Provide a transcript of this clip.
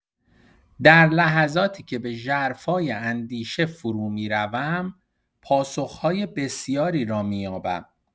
در لحظاتی که به ژرفای اندیشه فرومی‌روم، پاسخ‌های بسیاری را می‌یابم.